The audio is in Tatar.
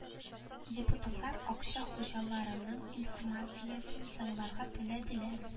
Депутатлар акча хуҗаларының информациясен тыңларга теләделәр